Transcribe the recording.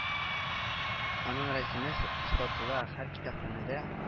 Аның рәсеме са сатыла, һәр китапханәдә